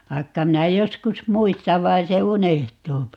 vaikka minä joskus muistan vaan se unohtuu